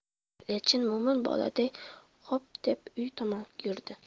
elchin mo'min boladay xo'p deb uy tomon yurdi